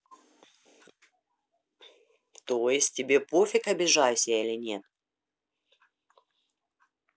то есть тебе пофиг обижаюсь я или нет